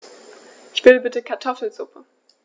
Ich will bitte Kartoffelsuppe.